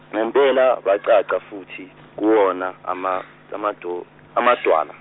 nempela bacaca futhi kuwona ama- amadu- amadwala.